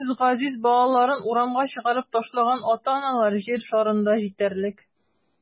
Үз газиз балаларын урамга чыгарып ташлаган ата-аналар җир шарында җитәрлек.